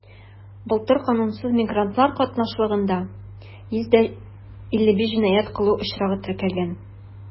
Былтыр канунсыз мигрантлар катнашлыгында 155 җинаять кылу очрагы теркәлгән.